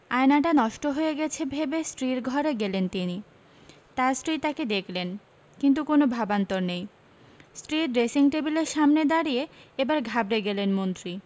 আয়নাটা নষ্ট হয়ে গেছে ভেবে স্ত্রীর ঘরে গেলেন তিনি তাঁর স্ত্রী তাঁকে দেখলেন কিন্তু কোনো ভাবান্তর নেই স্ত্রীর ড্রেসিং টেবিলের সামনে দাঁড়িয়ে এবার ঘাবড়ে গেলেন মন্ত্রী